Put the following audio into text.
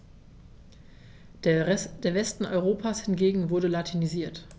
Der Westen Europas hingegen wurde latinisiert.